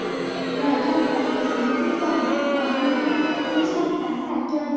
rồi trong một dịp nghỉ cuối tuần toàn đưa em lên resort tản đà chơi